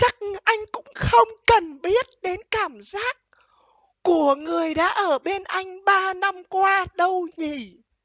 chắc anh cũng không cần biết đến cảm giác của người đã ở bên anh ba năm qua đâu nhỉ